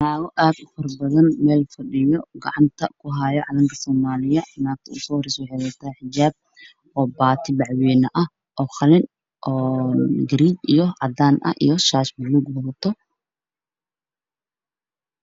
Waa naago aad u faro badan oo meel fadhiyo oo gacanta kuhaayo calanka soomaaliya. Naagta ugu soohoreyso waxay wadataa xijaab oo baati bacwayne ah oo garee iyo cadaan ah iyo shaash buluug ah wadato.